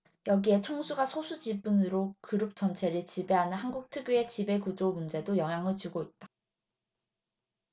여기에 총수가 소수 지분으로 그룹 전체를 지배하는 한국 특유의 지배구조 문제도 영향을 주고 있다